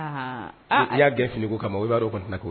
I y'a gɛn fini ko kama o u b'a dɔn kɔnɔ tɛna ko